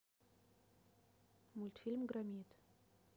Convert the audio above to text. мультфильм громит